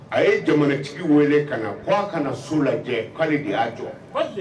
A ye jamanatigi weele ka na k' ka na so lajɛ k'ale de y'a jɔ